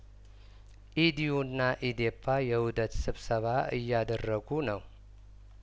ኢዲዩና ኢዴፓ የውህደት ስብሰባ እያደረጉ ነው